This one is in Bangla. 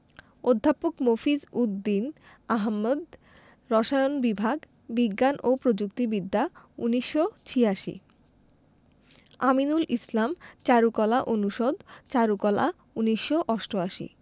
অধ্যাপক মফিজ উদ দীন আহমেদ রসায়ন বিভাগ বিজ্ঞান ও প্রযুক্তি বিদ্যা ১৯৮৬ আমিনুল ইসলাম চারুকলা অনুষদ চারুকলা ১৯৮৮